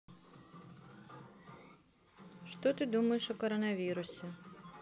что ты думаешь о коронавирусе